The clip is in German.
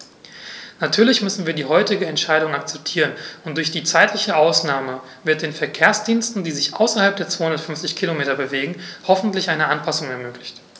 Natürlich müssen wir die heutige Entscheidung akzeptieren, und durch die zeitliche Ausnahme wird den Verkehrsdiensten, die sich außerhalb der 250 Kilometer bewegen, hoffentlich eine Anpassung ermöglicht.